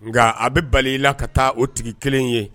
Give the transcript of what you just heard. Nka a bɛ bali i la ka taa o tigi kelen ye